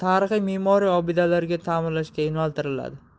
tarixiy me'moriy obidalarni ta'mirlashga yo'naltiriladi